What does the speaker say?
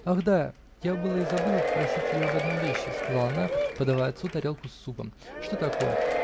-- Ах да, я было и забыла попросить тебя об одной вещи, -- сказала она, подавая отцу тарелку с супом. -- Что такое?